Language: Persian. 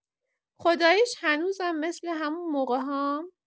خداییش هنوزم مثل همون موقع‌هام!؟